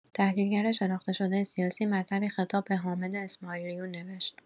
تحلیل‌گر شناخته‌شده سیاسی مطلبی خطاب به حامد اسماعیلیون نوشت.